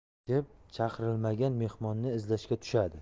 deb chaqirilmagan mehmonni izlashga tushadi